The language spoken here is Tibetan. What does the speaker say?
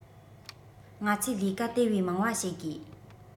ང ཚོས ལས ཀ དེ བས མང བ བྱེད དགོས